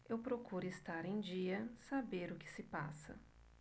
eu procuro estar em dia saber o que se passa